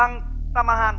lăng ta ma han